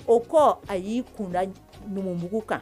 O kɔ a y'i kunda numuugu kan